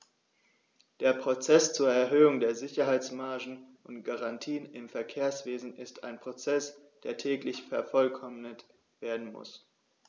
Der Prozess zur Erhöhung der Sicherheitsmargen und -garantien im Verkehrswesen ist ein Prozess, der täglich vervollkommnet werden muss.